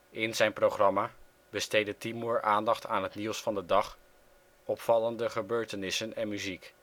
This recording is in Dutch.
In zijn programma besteedde Timur aandacht aan het nieuws van de dag, opvallende gebeurtenissen en muziek